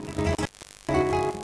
San